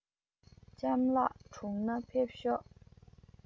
ལྕམ ལགས གྲུང ན ཕེབས ཤོག